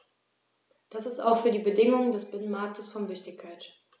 Das ist auch für die Bedingungen des Binnenmarktes von Wichtigkeit.